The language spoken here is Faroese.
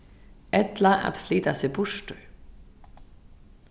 ella at flyta seg burtur